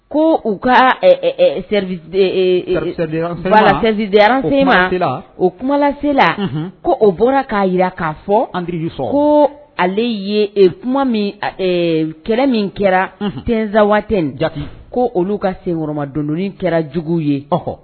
Ko u kaladransemase o kumalasela ko o bɔra k'a jira k'a fɔ fɔ ko ale ye kuma kɛlɛ min kɛra tzsawat in ja ko olu ka senmadoni kɛra jugu ye ɔɔ